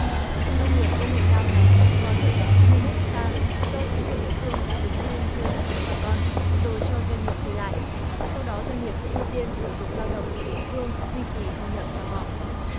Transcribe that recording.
khu nông nghiệp công nghệ cao này có diện tích hai mươi mốt héc ta do chính quyền địa phương đã đứng lên thuê đất của bà con rồi cho doanh nghiệp thuê lại sau đó doanh nghiệp sẽ ưu tiên sử dụng lao động của địa phương duy trì thu nhập cho họ